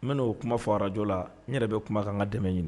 N bɛ n'o kuma fagarajɔ la ne yɛrɛ bɛ kuma ka kan ka dɛmɛ ɲini